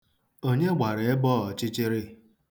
Onye gbara ebe a ọchịchịrị?